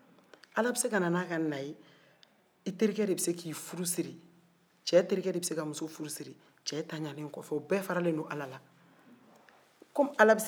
cɛ terikɛ de bɛ se ka muso furu siri cɛ ntanyalen kɔfɛ o bɛɛ faralen don ala la ala bɛ se ka a kɛ